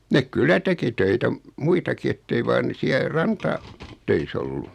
ne kyllä teki töitä - muitakin että ei vain ne siellä - rantatöissä ollut